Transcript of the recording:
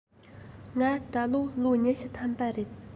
ང ད ལོ ལོ ཉི ཤུ ཐམ པ རེད